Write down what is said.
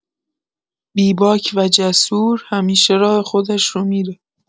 بی‌باک و جسور، همیشه راه خودش رو می‌ره.